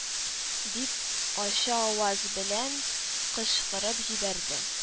– дип, ачы аваз белән кычкырып җибәрде